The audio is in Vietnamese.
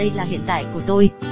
và đây là hiện tại của tôi